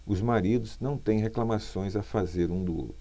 os maridos não têm reclamações a fazer um do outro